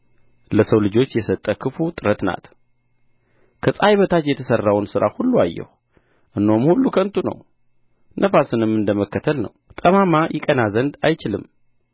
ለሰው ልጆች የሰጠ ክፉ ጥረት ናት ከፀሐይ በታች የተሠራውን ሥራ ሁሉ አየሁ እነሆም ሁሉ ከንቱ ነው ነፋስንም እንደ መከተል ነው ጠማማ ይቀና ዘንድ አይችልም